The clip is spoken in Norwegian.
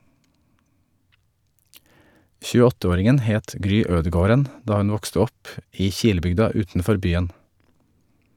28-åringen het Gry Ødegaarden da hun vokste opp i Kilebygda utenfor byen.